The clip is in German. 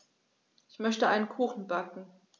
Ich möchte einen Kuchen backen.